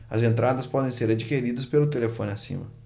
as entradas podem ser adquiridas pelo telefone acima